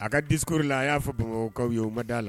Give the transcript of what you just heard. A ka diri la a y'a fɔ bamakɔkaw yoda la